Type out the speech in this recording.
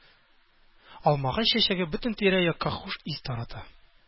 Алмагач чәчәге бөтен тирә-якка хуш ис тарата.